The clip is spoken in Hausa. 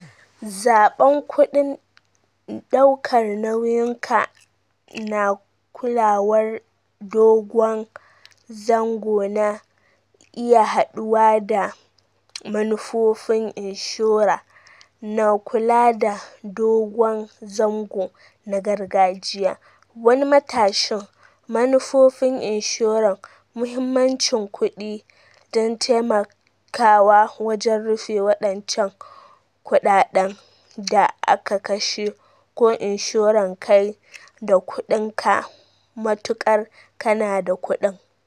Zaɓen kuɗin daukar nauyin ka na kulawar dogon zangona iya haɗawa da manufofin inshora na kula da dogon zango na gargajiya, wani matashin manufofin inshoran muhimmancin kudi don taimakawa wajen rufe wadancan kudaden da aka kashe ko inshoran kai da kudin ka -matukar kanada kudin.